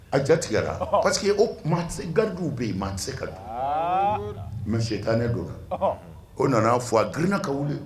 A ja tigɛ la. Ɔnhɔn. parce que o tuma garde bɛ yen maa tɛ se ka don. Aa Monsieur Kane don wa? Ɔnhɔn. O nana fo, a grinna ka wili.